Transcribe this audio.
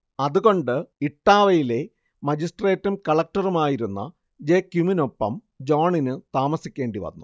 അതുകൊണ്ട് ഇട്ടാവയിലെ മജിസ്ട്രേറ്റും കളക്റ്ററുമായിരുന്ന ജെ ക്യുമിനൊപ്പം ജോണിന് താമസിക്കേണ്ടി വന്നു